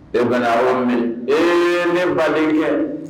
E ba yɔrɔ min ee ne ba kɛ